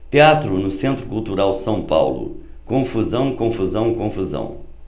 teatro no centro cultural são paulo confusão confusão confusão